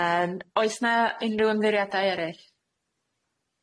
Yym oes 'na unryw ymddieuriadau eryll?